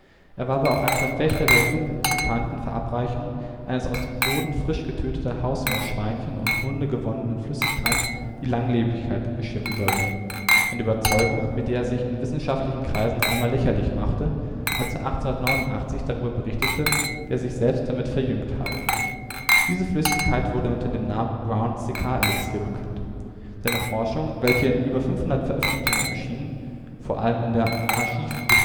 Er war aber auch ein Verfechter der subkutanen Verabreichung einer aus den Hoden frisch getöteter Hausmeerschweinchen und Hunde gewonnenen Flüssigkeit, die Langlebigkeit bescheren sollte – eine Überzeugung, mit der er sich in wissenschaftlichen Kreisen einmal lächerlich machte, als er 1889 darüber berichtete, wie er sich selbst damit „ verjüngt “habe. Diese Flüssigkeit wurde unter dem Namen Brown-Séquard-Elixier bekannt. Seine Forschungen, welche in über 500 Veröffentlichungen erschienen, vor allem in den Archives de physiologie